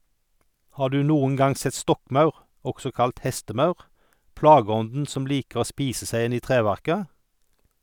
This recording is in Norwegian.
Har du noen gang sett stokkmaur, også kalt hestemaur, plageånden som liker å spise seg inn i treverket?